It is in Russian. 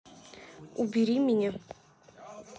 убери меня